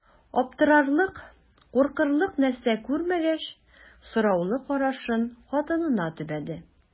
Аптырарлык, куркырлык нәрсә күрмәгәч, сораулы карашын хатынына төбәде.